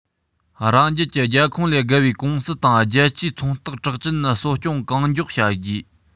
རང རྒྱལ གྱི རྒྱལ ཁོངས ལས བརྒལ བའི ཀུང སི དང རྒྱལ སྤྱིའི ཚོང རྟགས གྲགས ཅན གསོ སྐྱོང གང མགྱོགས བྱ དགོས